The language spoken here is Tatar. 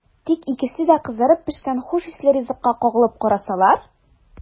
Тик икесе дә кызарып пешкән хуш исле ризыкка кагылып карасалар!